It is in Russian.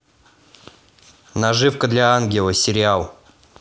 наживка для ангела сериал